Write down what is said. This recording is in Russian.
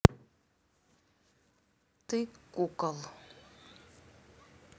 ты кукол